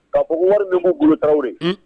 Ka ko wari min ko bolo tarawelew de